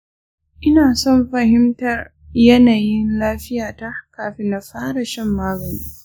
ina son fahimtar yanayin lafiyata kafin na fara shan magani.